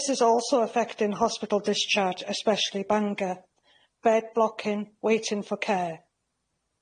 This is also affecting hospital discharge, especially Bangor, bed blocking waiting for care.